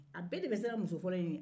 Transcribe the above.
a bɛɛ de bɛ siran muso fɔlɔ in ɲɛ